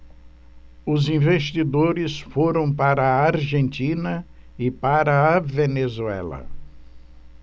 os investidores foram para a argentina e para a venezuela